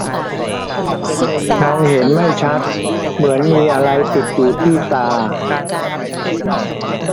มองเห็นไม่ชัดเหมือนมีอะไรติดอยู่ที่ตา